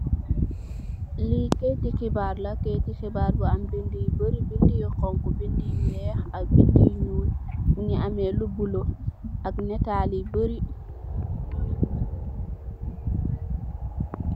Lii kayiti xibaar la, kayiti xibaar bu am bindë yu bari, bindë yu xoñxu, bindë yu weex, ak bindë yu ñuul, mu ngi am lu bulo, ak nataal yu bari,